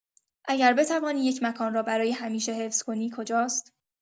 اگر بتوانی یک مکان را برای همیشه حفظ کنی کجاست؟